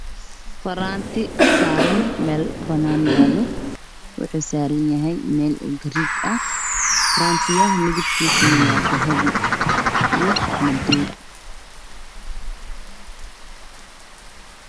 Waa meel banaan barxad ah waxaa yaalo ee dahab Dahab ka midabkiisu waa qaxo